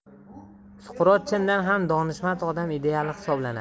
suqrot chindan ham donishmand odam ideali hisoblanadi